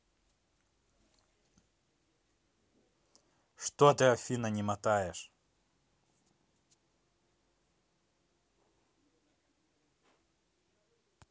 что ты афина не мотаешь